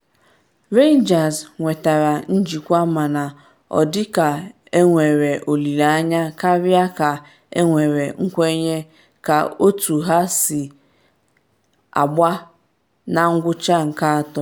Rangers nwetara njikwa mana ọ dịka enwere olile anya karịa ka enwere nkwenye ka otu ha si agba na ngwucha nke atọ.